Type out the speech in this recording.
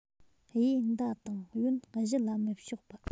གཡས མདའ དང གཡོན གཞུ ལ མི ཕྱོགས པ